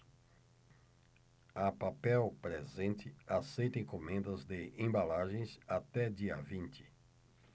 a papel presente aceita encomendas de embalagens até dia vinte